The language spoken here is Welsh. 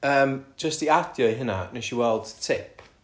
yym jyst i adio i hynna wnes i weld tip